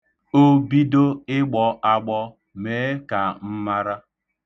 O bido ịgbọ agbọ, mee ka m mara.